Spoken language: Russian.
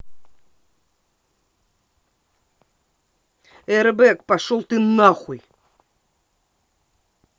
рбк пошел ты нахуй